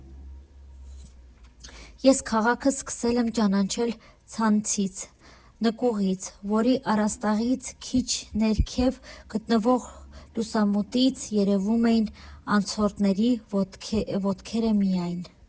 Ես քաղաքը սկսել եմ ճանաչել ցածրից, նկուղից, որի առաստաղից քիչ ներքև գտնվող լուսամուտից երևում էին անցորդների ոտքերը միայն։